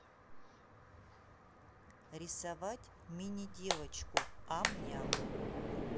рисовать мини девочку ам ням